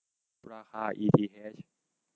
ราคาอีทีเฮช